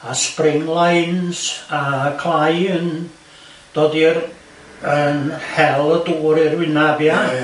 A spring lines a clai yn dod i'r... yn hel y dŵr i'r wynab ia?